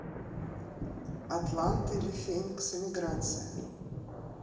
атланта или феникс эмиграция